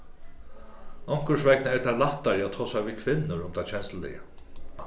onkursvegna er tað lættari at tosa við kvinnur um tað kensluliga